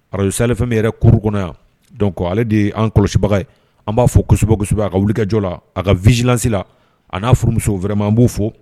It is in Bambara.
Arazjs ale fɛn yɛrɛ kuruurun kɔnɔ yan dɔn ale de ye anan kɔlɔsibaga ye an b'a fɔ kosɛbɛ kosɛbɛ a ka wuli kɛjɔ la a ka vizlansila a n'a furumuso wɛrɛ b'o fo